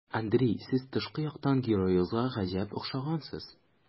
Андрей, сез тышкы яктан героегызга гаҗәп охшагансыз.